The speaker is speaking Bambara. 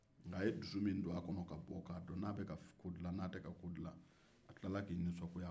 a ye dusu min don a kɔnɔ ka bɔ walasa k'a dɔn n'a bɛka ko dila walima a ma ko dila a tilara k'i nisɔngoya a kɔrɔ